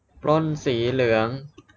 ปล้นสีเหลือง